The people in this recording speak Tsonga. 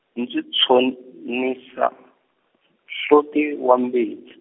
ndzi tshon- nisa, nhloti wa mbitsi.